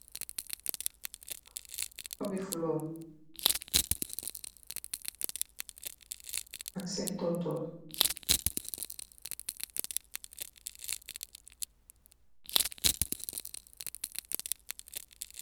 Xobi floor, ak sen toontor